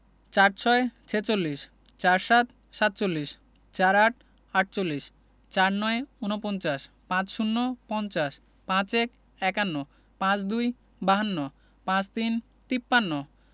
৪৬ - ছেচল্লিশ ৪৭ - সাতচল্লিশ ৪৮ -আটচল্লিশ ৪৯ – উনপঞ্চাশ ৫০ - পঞ্চাশ ৫১ – একান্ন ৫২ - বাহান্ন ৫৩ - তিপ্পান্ন